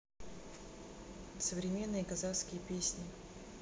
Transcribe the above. современные казахские песни